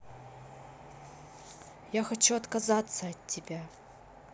я хочу отказаться от тебя